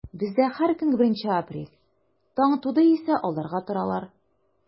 Бездә һәр көн беренче апрель, таң туды исә алдарга торалар.